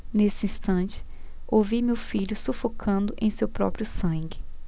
nesse instante ouvi meu filho sufocando em seu próprio sangue